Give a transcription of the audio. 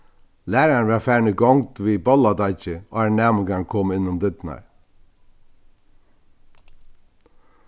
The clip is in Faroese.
lærarin var farin í gongd við bolladeiggið áðrenn næmingarnir komu inn um dyrnar